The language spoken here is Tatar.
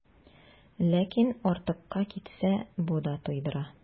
Ләкин артыкка китсә, бу да туйдыра.